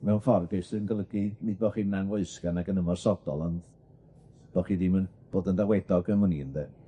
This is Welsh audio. Mewn ffordd, be' sy'n golygu nid bo' chi'n anfoesgar nag yn ymosodol on' bo' chi ddim yn bod yn dawedog am wn i ynde.